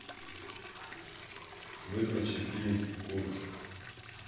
выключи фильм курск